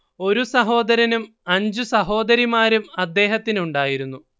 ഒരു സഹോദരനും അഞ്ചു സഹോദരിമാരും അദ്ദേഹത്തിനുണ്ടായിരുന്നു